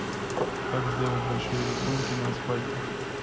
как сделать большие рисунки на асфальте